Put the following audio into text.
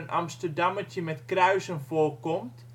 amsterdammertje met kruisen voorkomt